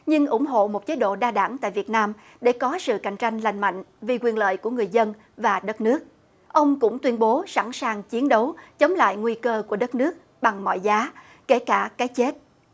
nhưng ủng hộ một chế độ đa đảng tại việt nam để có sự cạnh tranh lành mạnh vì quyền lợi của người dân và đất nước ông cũng tuyên bố sẵn sàng chiến đấu chống lại nguy cơ của đất nước bằng mọi giá kể cả cái chết